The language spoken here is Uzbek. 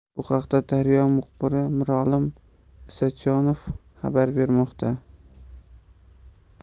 bu haqda daryo muxbiri mirolim isajonov xabar bermoqda